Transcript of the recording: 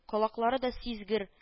Колаклары да сизгер